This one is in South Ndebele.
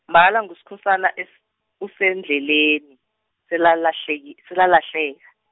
mbala nguSkhosana es- usendleleni, selalahleki-, selalahleka.